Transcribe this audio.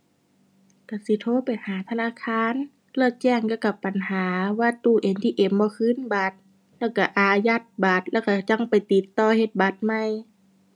ก็สิโทรไปหาธนาคารแล้วแจ้งเกี่ยวกับปัญหาว่าตู้ ATM บ่คืนบัตร แล้วก็อายัดบัตร แล้วก็จั่งไปติดต่อเฮ็ดบัตรใหม่